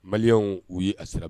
Maliyɛnw u ye a siran